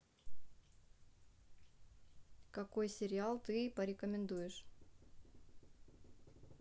какой сериал ты порекомендуешь